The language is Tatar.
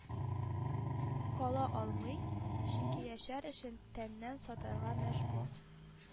Кала алмый, чөнки яшәр өчен тәнен сатарга мәҗбүр